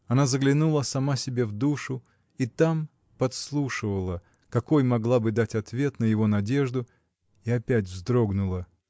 Она заглянула сама себе в душу и там подслушивала, какой могла бы дать ответ на его надежду, и опять вздрогнула.